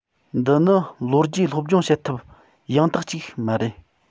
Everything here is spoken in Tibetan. འདི ནི ལོ རྒྱུས སློབ སྦྱོང བྱེད ཐབས ཡང དག ཅིག མ རེད